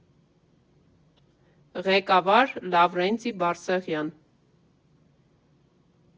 Ղեկավար՝ Լավրենտի Բարսեղյան։